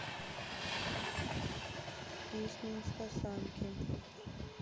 песни инстасамки